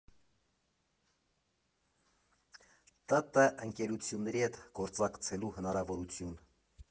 ՏՏ ընկերությունների հետ գործակցելու հնարավորություն։